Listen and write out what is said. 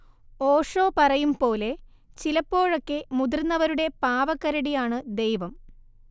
ഓഷോ പറയും പോലെ, ചിലപ്പോഴൊക്കെ മുതിർന്നവരുടെ പാവക്കരടിയാണ് ദൈവം